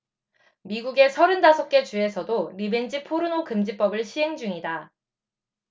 미국의 서른 다섯 개 주에서도 리벤지 포르노 금지법을 시행중이다